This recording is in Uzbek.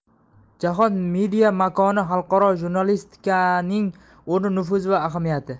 jahon media makoni xalqaro jurnalistikaning o'rni nufuzi va ahamiyati